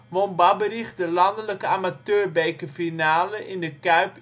won Babberich de landelijke amateurbekerfinale in de Kuip